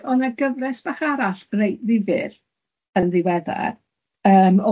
O'dd 'na gyfres bach arall reit ddifyr yn ddiweddar, yym,